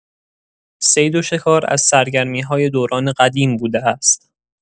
صید و شکار از سرگرمی‌های دوران قدیم بوده است!